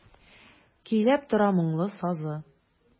Көйләп тора моңлы сазы.